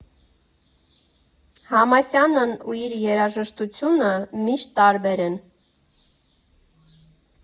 Համասյանն ու իր երաժշտությունը միշտ տարբեր են։